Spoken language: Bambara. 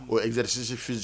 Nzrisi sinsin